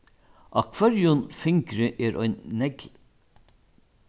á hvørjum fingri er ein negl